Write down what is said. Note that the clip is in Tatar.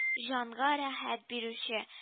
Җанга рәхәт бирүче